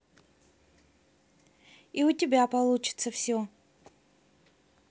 и у тебя получится все